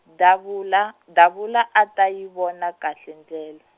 Davula, Davula a a ta yi vona kahle ndlela.